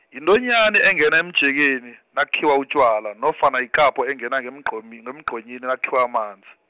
yintonyani engena emjekeni, nakukhiwa utjwala, nofana yikapho engena ngemgqom- ngemgqonyini nakukhiwa amanzi.